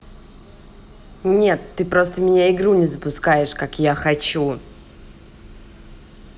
нет ты просто меня игру не запускаешь как я хочу